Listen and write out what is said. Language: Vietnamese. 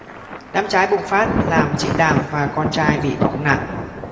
đám cháy bùng phát làm chị đàm và con trai bị bỏng nặng